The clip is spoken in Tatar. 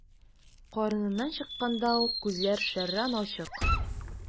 Карыныннан чыкканда ук күзләр шәрран ачык.